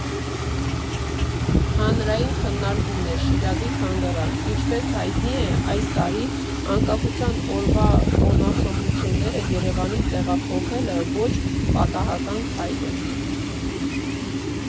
ՀԱՆՐԱՅԻՆ ՔՆՆԱՐԿՈՒՄՆԵՐ Շիրազի թանգարան Ինչպես հայտնի է, այս տարի՝ Անկախության օրվա տոնախմբությունները Երևանից տեղափոխելը ոչ պատահական քայլ է.